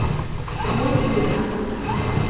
мультик дракула